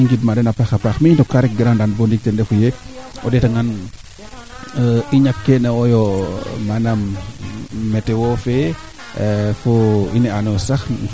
xano bin ni kin ecole kaa bug te jangik so mbaxtu naaga ando naye meen a teɓake sim dita i mbamir fo calel seesek yaam calel seeseka ne'e